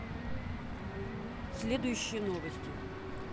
следующие новости